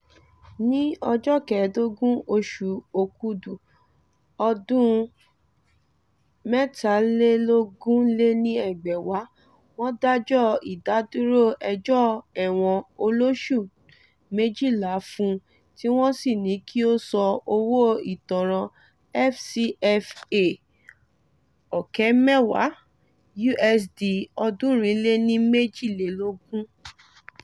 Ní ọjọ́ 15 oṣù Òkudù, ọdún 2023, wọ́n dájọ́ ìdádúró ẹjọ́ ẹ̀wọ̀n olóṣù-12 fún un tí wọ́n sì ní kí ó san owó ìtanràn FCFA 200,000 (USD 322).